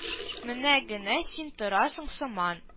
Менә генә син торасың сыман